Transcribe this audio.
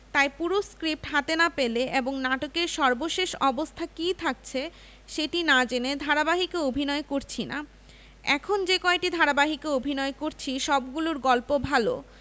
তাই পুরো স্ক্রিপ্ট হাতে না পেলে এবং নাটকের সর্বশেষ অবস্থা কী থাকছে সেটি না জেনে ধারাবাহিকে অভিনয় করছি না এখন যে কয়টি ধারাবাহিকে অভিনয় করছি সবগুলোর গল্প ভালো